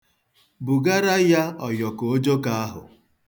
Bugara ya ọyọkọ ojoko ahụ.